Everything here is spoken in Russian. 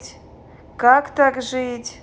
как так жить